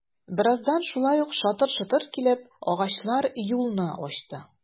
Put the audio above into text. Бераздан шулай ук шатыр-шотыр килеп, агачлар юлны ачты...